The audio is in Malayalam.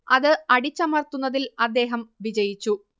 അത് അടിച്ചമർത്തുന്നതിൽ അദ്ദേഹം വിജയിച്ചു